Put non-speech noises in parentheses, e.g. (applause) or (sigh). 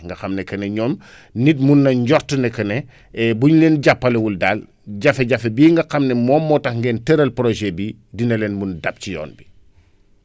nga xam ne que ni ñoom (breath) nit mun na njort ne que ne (breath) bu ñu leen jàppalewul daal jafe-jafe bii nga xam ne moom moo tax ngeen tëral projet bii dina leen mun dab ci yoon bi